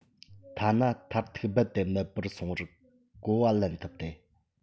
ཐ ན མཐར ཐུག རྦད དེ མེད པར སོང བར གོ བ ལེན ཐུབ ཏེ